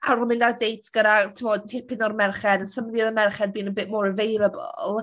ar ôl mynd ar dates gyda tibod tipyn o'r merched and some of the other merched being a bit more available.